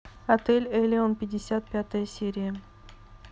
отель элеон пятьдесят пятая серия